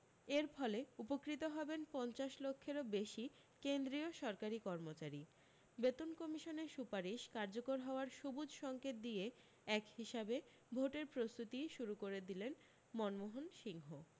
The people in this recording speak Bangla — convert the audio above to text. এর ফলে উপকৃত হবেন পঞ্চাশ লক্ষেরও বেশী কেন্দ্রীয় সরকারী কর্মচারী বেতন কমিশনের সুপারিশ কার্যকর করার সবুজ সঙ্কেত দিয়ে এক হিসাবে ভোটের প্রস্তুতিই শুরু করে দিলেন মনমোহন সিংহ